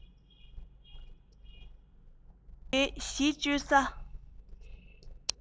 དེའི གཞི བཅོལ ས